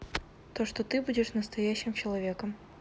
то что ты будешь настоящим человеком